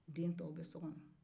dentɔw bɛ so kɔnɔ